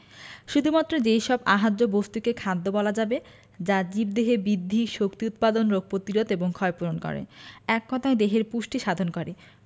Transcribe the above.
শুধুমাত্র যেই সব আহার্য বস্তুকেই খাদ্য বলা যাবে যা জীবদেহে বিদ্ধি শক্তি উৎপাদন রোগ প্রতিরোধ এবং ক্ষয়পূরণ করে এক কথায় দেহের পুষ্টি সাধন করে